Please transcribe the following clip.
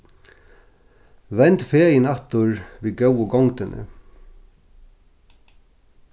vend fegin aftur við góðu gongdini